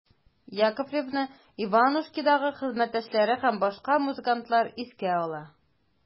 Яковлевны «Иванушки»дагы хезмәттәшләре һәм башка музыкантлар искә ала.